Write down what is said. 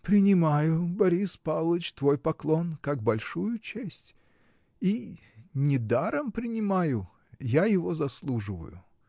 — Принимаю, Борис Павлыч, твой поклон, как большую честь — и не даром принимаю — я его заслуживаю.